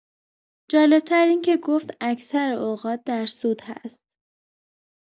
جالب‌تر اینکه گفت اکثر اوقات در سود هست.